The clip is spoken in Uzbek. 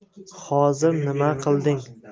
hozir nima qilding